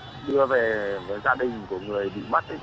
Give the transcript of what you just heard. đưa về với gia đình của người bị mất ý